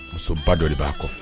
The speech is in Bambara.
Muso ba dɔ de b'a kɔ